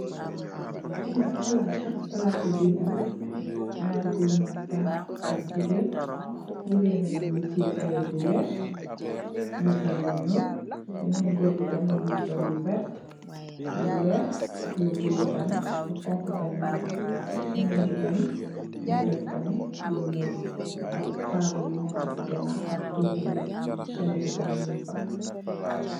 Fi nk palas la palas si denala nyari gorr nyor fi tahaw ak njegen, njegen bi nk mugi teyeh kayit bu wheh mugi sol lu nyul benen gorr bi tamit mugi sol lu verte lu wheh ak lu bluah tamit lu khonkho tamit mung fa kenenki tamit mugi def tamit lu nyul ak taable nyu neka si ganaw ak torguh yi, telehbi tamit mung fa.